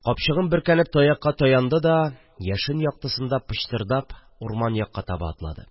Капчыгын бөркәнеп таякка таянды да, яшен яктысында пычтырдап, урман якка таба атлады